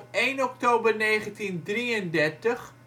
1 oktober 1933 gaf Theodor